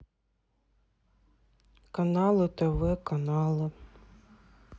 каналы тв каналы